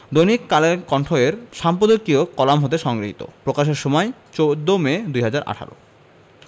দৈনিক কালের কণ্ঠ এর সম্পাদকীয় কলাম হতে সংগৃহীত প্রকাশের সময় ১৪ মে ২০১৮